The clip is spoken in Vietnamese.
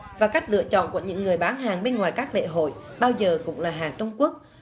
và cách lựa chọn của những người bán hàng bên ngoài các lễ hội bao giờ cũng là hàng trung quốc